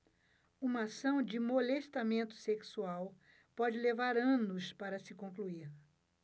uma ação de molestamento sexual pode levar anos para se concluir